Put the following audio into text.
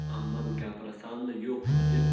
xolposh xola bir